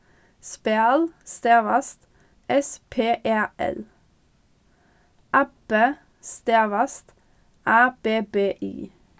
spæl stavast s p æ l abbi stavast a b b i